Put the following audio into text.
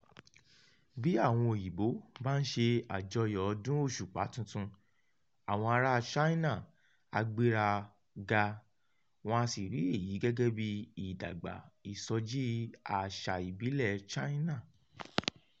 Bí àwọn Òyìnbó bá ń ṣe àjọyọ̀ Ọdún Òṣùpá Tuntun, àwọn aráa China á gbéraga wọ́n á sì rí èyí gẹ́gẹ́ bí ìdàgbà ìsọjí àṣà ìbílẹ̀ China...